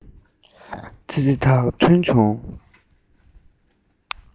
ཙི ཙི དག ཐོན བྱུང